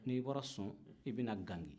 n'i bɔra son i bɛ na gangi